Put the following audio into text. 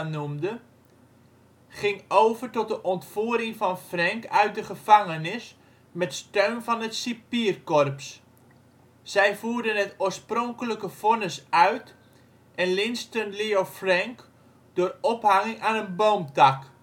noemde - ging over tot de ontvoering van Frank uit de gevangenis met steun van het cipierkorps. Zij voerden het oorspronkelijke vonnis uit en lynchten Leo Frank door ophanging aan een boomtak